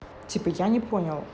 типа я не понял